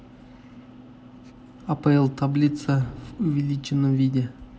апл таблица в увеличенном виде